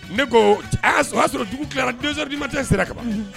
Ne ko a y'a sɔrɔ y'a sɔrɔ dugu tilara donsodi ma tɛ sira kababan